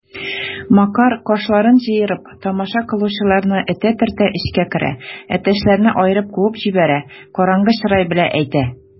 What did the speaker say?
Макар, кашларын җыерып, тамаша кылучыларны этә-төртә эчкә керә, әтәчләрне аерып куып җибәрә, караңгы чырай белән әйтә: